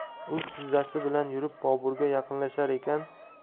u tizzasi bilan yurib boburga yaqinlashar ekan